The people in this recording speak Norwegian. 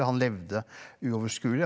han levde uoverskuelig.